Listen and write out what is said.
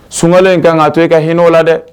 Sungalen in kan ka to i ka hinɛ oo la dɛ